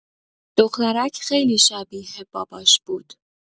دخترک خیلی شبیه باباش بود.